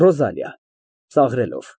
ՌՈԶԱԼԻԱ ֊ (Ծաղրելով)